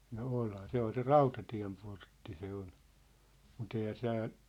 no onhan se oli se Rautatienportti se oli mutta eihän täällä